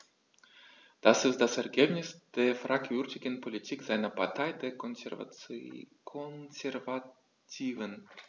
Das ist das Ergebnis der fragwürdigen Politik seiner Partei, der Konservativen.